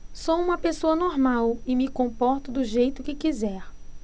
sou homossexual e me comporto do jeito que quiser